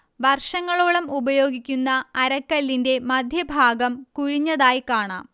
വർഷങ്ങളോളം ഉപയോഗിക്കുന്ന അരകല്ലിന്റെ മധ്യഭാഗം കുഴിഞ്ഞതായി കാണാം